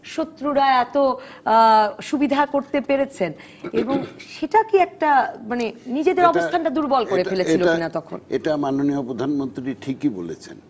শত্রুরা এত সুবিধা করতে পেরেছেন এবং সেটা কি একটা মানে নিজেদের অবস্থানটা দুর্বল করে ফেলেছিল কি না তখন এটা মাননীয় প্রধানমন্ত্রী ঠিকই বলেছেন